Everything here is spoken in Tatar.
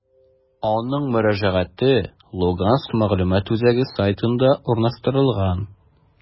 Аның мөрәҗәгате «Луганск мәгълүмат үзәге» сайтында урнаштырылган.